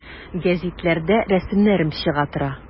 Гәзитләрдә рәсемнәрем чыга тора.